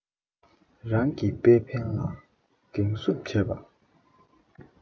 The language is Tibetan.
རང གི པེ ཕན ལ འགེབས སྲུང བྱེད པ